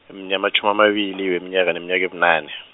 namatjhumi amabili we mnyaka iminyaka ebunane.